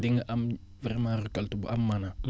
di nga am vraiment récolte bu am maanaa